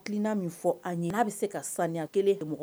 A tilenina min fɔ a ɲini n'a bɛ se ka sanya kelen